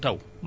fii Loga